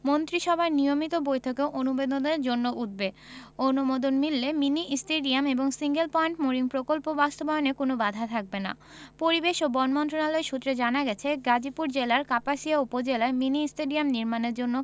মন্ত্রিসভার নিয়মিত বৈঠকে অনুমোদনের জন্য উঠবে অনুমোদন মিললে মিনি স্টেডিয়াম এবং সিঙ্গেল পয়েন্ট মোরিং প্রকল্প বাস্তবায়নে কোনো বাধা থাকবে না পরিবেশ ও বন মন্ত্রণালয় সূত্রে জানা গেছে গাজীপুর জেলার কাপাসিয়া উপজেলায় মিনি স্টেডিয়াম নির্মাণের জন্য